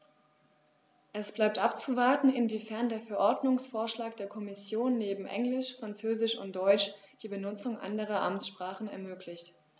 Es bleibt abzuwarten, inwiefern der Verordnungsvorschlag der Kommission neben Englisch, Französisch und Deutsch die Benutzung anderer Amtssprachen ermöglicht.